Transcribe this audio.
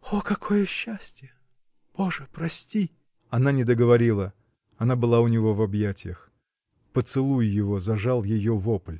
о, какое счастье! Боже, прости. Она не договорила. Она была у него в объятиях. Поцелуй его зажал ее вопль.